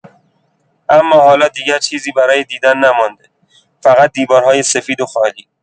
اما حالا دیگر چیزی برای دیدن نمانده، فقط دیوارهای سفید و خالی.